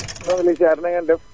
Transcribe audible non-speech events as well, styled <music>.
<noise> maa ngi lay ziyaar na ngeen def